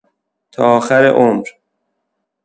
تا آخر عمر!